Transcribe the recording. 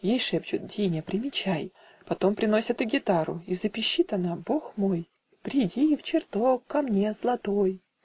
Ей шепчут: "Дуня, примечай!" Потом приносят и гитару: И запищит она (бог мой!): Приди в чертог ко мне златой!.